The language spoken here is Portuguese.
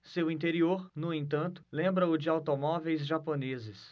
seu interior no entanto lembra o de automóveis japoneses